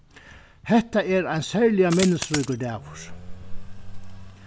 hetta er ein serliga minnisríkur dagur